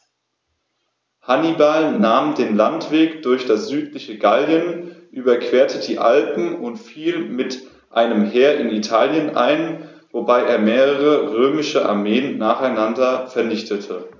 Hannibal nahm den Landweg durch das südliche Gallien, überquerte die Alpen und fiel mit einem Heer in Italien ein, wobei er mehrere römische Armeen nacheinander vernichtete.